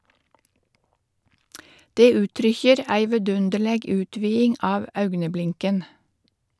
Det uttrykkjer ei vedunderleg utviding av augneblinken.